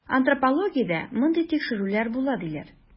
Антропологиядә мондый тикшерүләр була, диләр.